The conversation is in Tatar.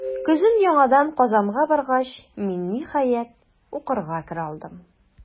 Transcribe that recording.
Көзен яңадан Казанга баргач, мин, ниһаять, укырга керә алдым.